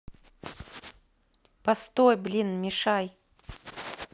постой блин мешай